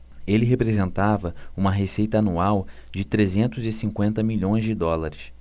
ele representava uma receita anual de trezentos e cinquenta milhões de dólares